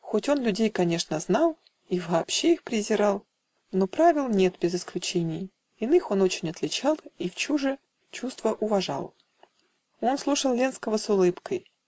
Хоть он людей, конечно, знал И вообще их презирал, - Но (правил нет без исключений) Иных он очень отличал И вчуже чувство уважал. Он слушал Ленского с улыбкой.